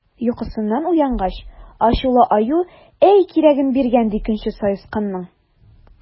Йокысыннан уянгач, ачулы Аю әй кирәген биргән, ди, көнче Саесканның!